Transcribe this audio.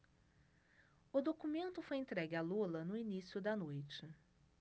o documento foi entregue a lula no início da noite